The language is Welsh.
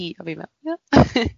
A fi'n meddwl, ie